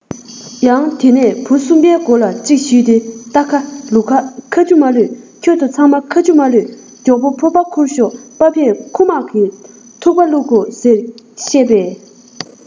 ཡང དེ ནས བུ གསུམ པའི མགོ ལ གཅིག ཞུས ཏེ རྟ ཁ ལུག ཁ ཁ ཆུ མ གློད ཁྱོད ཚོ ཚང མ ཁ ཆུ མ གློད མགྱོགས པོ ཕོར པ འཁུར ཤོག པ ཕས ཁུ མག གི ཐུག པ བླུག གོ ཟེར བཤད པས